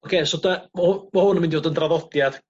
Oce so da- ma' hw- ma' hwn yn mynd i fod yn draddodiad